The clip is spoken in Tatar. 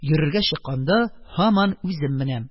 Йөрергә чыкканда, һаман үзем.